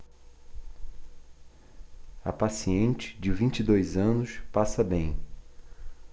a paciente de vinte e dois anos passa bem